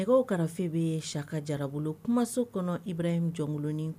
Nɛgɛ karatafe bɛ ye saka jara bolo kumaso kɔnɔ ira in jɔnkoloni